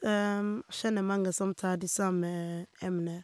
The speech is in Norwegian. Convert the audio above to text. Kjenner mange som tar de samme emner.